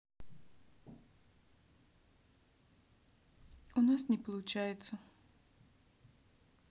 у нас не получается